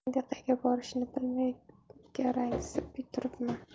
endi qayga borishni bilmay garangsib turibman